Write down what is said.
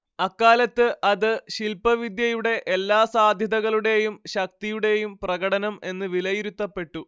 അക്കാലത്ത് അത് ശില്പവിദ്യയുടെ എല്ലാ സാധ്യതകളുടേയും ശക്തിയുടേയും പ്രകടനം എന്ന് വിലയിരുത്തപ്പെട്ടു